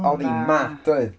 Oedd hi'n mad doedd?